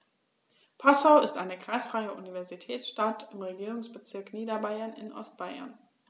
Passau ist eine kreisfreie Universitätsstadt im Regierungsbezirk Niederbayern in Ostbayern.